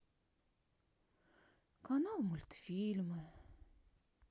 канал мультфильмы